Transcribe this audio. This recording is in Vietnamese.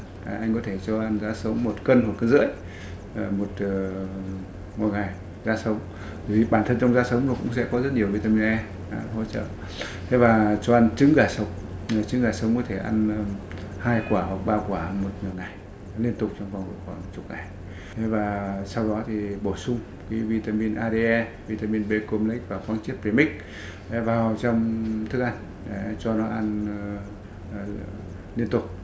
đấy anh có thể cho ăn giá sống một cân một cân rưỡi là một giờ một ngày giá sống vì bản thân trong giá sống nó cũng sẽ có rất nhiều vi ta min e hỗ trợ thế và cho ăn trứng gà sống nhờ trứng gà sống có thể ăn hai quả hoặc ba quả một ngày liên tục trong vòng độ khoảng chục ngày thế và sau đó thì bổ sung vi ta min a đê e vi ta min bê côm lếch và khoáng chất về mích đấy vào trong thức ăn để cho nó ăn liên tục